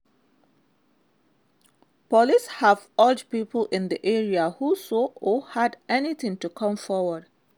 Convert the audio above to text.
Police have urged people in the area who saw or heard anything to come forward.